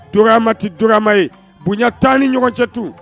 Dɔgɔma dɔgɔma ye bonya tan ni ɲɔgɔn cɛtu